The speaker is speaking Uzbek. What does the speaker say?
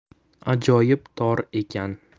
ajoyib tor ekan